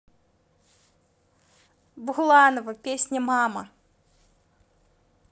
буланова песня мама